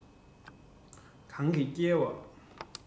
གང གིས བསྐྱལ བ